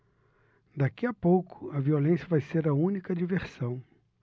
daqui a pouco a violência vai ser a única diversão